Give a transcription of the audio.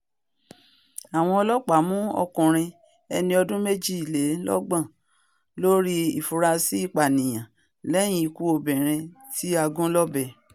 Àwọn ọlọ́ọ̀pá mú ọkùnrin, ẹni ọdùn méjìlélọ́gbọ̀n, lórí ìfurasí ìpànìyàn lẹ́yín ikú obìnrin tí a gún lọ́bẹ